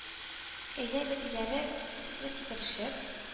Кәҗә бәтиләре төсле сикерешеп,